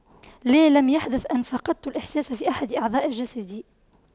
لا لم يحدث أن فقدت الإحساس في أحد اعضاء جسدي